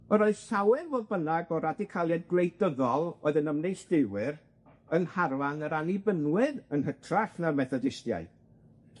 Yr oedd llawer fodd bynnag o radicaliaid gwleidyddol oedd yn ymneilltuwyr yn ngharfan yr annibynwyr yn hytrach na'r Methodistiaid.